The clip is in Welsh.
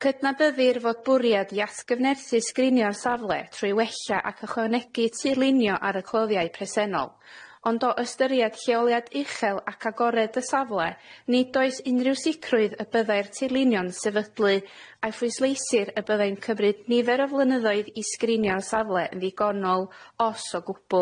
Cydnabyddir fod bwriad i atgyfnerthu sgrinio'r safle trwy wella ac ychwanegu tirlunio ar y cloddiau presennol, ond o ystyried lleoliad uchel ac agored y safle, nid oes unrhyw sicrwydd y byddai'r tirlunio'n sefydlu, a'i phwysleisir y byddai'n cymryd nifer o flynyddoedd i sgrinio'r safle yn ddigonol, os o gwbwl.